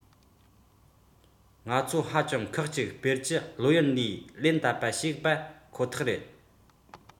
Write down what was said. ཁོ ཐག སྒྲུབ དཔོན ཅུང ཆེན པོ ཡོད པ རེད